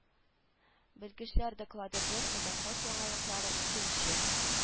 Белгечләр доклады бер ә завхоз яңалыклары икенче